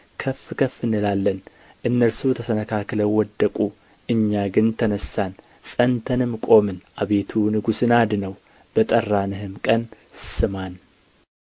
ከፍ ከፍ እንላለን እነርሱ ተሰነካክለው ወደቁ እኛ ግን ተነሣን ጸንተንም ቆምን አቤቱ ንጉሥን አድነው በጠራንህም ቀን ስማን